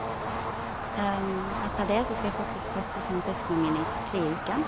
Etter det så skal jeg faktisk passe småsøskena mine i tre uker.